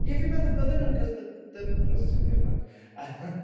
Ie fi'n meddwl bydden nhw, 'cause the, the, I was going to say the government